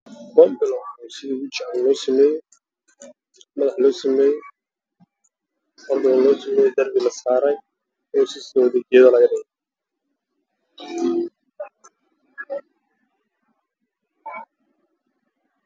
Wa qajajacleey qori laga dhigay